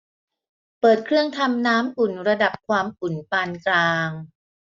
เปิดเครื่องทำน้ำอุ่นระดับความอุ่นปานกลาง